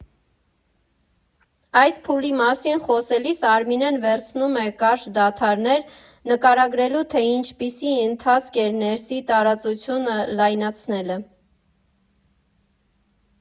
Այս փուլի մասին խոսելիս Արմինեն վերցնում է կարճ դադարներ՝ նկարագրելու, թե ինչպիսի ընթացք էր ներսի տարածությունը լայնացնելը։